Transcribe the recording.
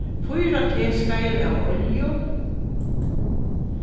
fýra teskeiðir av olju